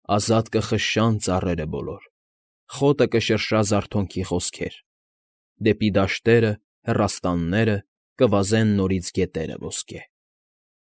Ազատ կխշշան ծառերը բոլոր, Խոտը կշրշա զարթունքի խոսքեր, Դեպի դաշտերը, հեռաստանները Կվազեն նորից գետերը ոսկե։